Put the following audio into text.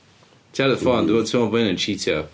Ti ar y ffon dwyt ti'n meddwl bod hyn yn cheatio.